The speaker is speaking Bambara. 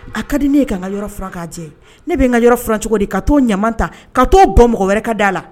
A ka di ne ye k'an ka yɔrɔ furan ka jɛ ne bɛ nka yɔrɔ fura cogo di ka t'o o ɲama ta ka t'o bɔn mɔgɔ wɛrɛ ka da la